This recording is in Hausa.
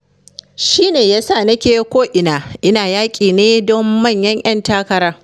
“Shi ne ya sa nake ko’ina ina yaƙi don manyan ‘yan takara.”